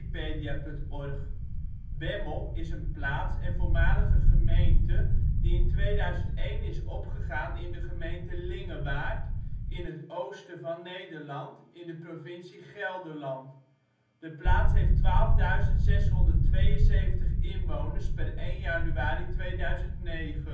53 ' NB 5° 53 ' OL Bemmel Plaats in Nederland Situering Provincie Gelderland Gemeente Lingewaard Coördinaten 51° 53′ NB, 5° 53′ OL Algemeen Inwoners (1 januari 2009) 12.672 Overig Postcode 6681 Netnummer 0481 Belangrijke verkeersaders A15 Portaal Nederland De Kinkelenburg Ponymarkt Bemmel 2004 Dijk bij Bemmel in het voorjaar Bemmel is een plaats en voormalige gemeente welke in 2001 is opgegaan in de gemeente Lingewaard, in het oosten van Nederland, in de provincie Gelderland en heeft 12.672 inwoners (1 januari 2009). De